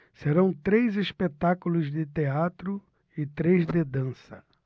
serão três espetáculos de teatro e três de dança